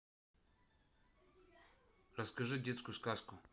расскажи детскую сказку